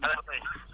allo **